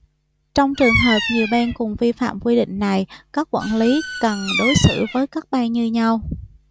trong trường hợp nhiều bên cùng vi phạm quy định này các quản lý cần đối xử với các bên như nhau